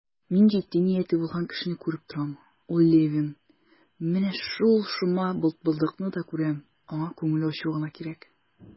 Мин җитди нияте булган кешене күреп торам, ул Левин; менә шул шома бытбылдыкны да күрәм, аңа күңел ачу гына кирәк.